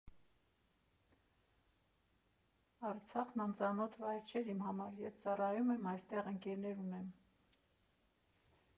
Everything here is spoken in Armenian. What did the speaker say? Արցախն անծանոթ վայր չէր իմ համար, ես ծառայել եմ այստեղ, ընկերներ ունեմ։